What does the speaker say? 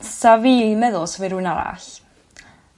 Sa fi meddwl sa fi rywun arall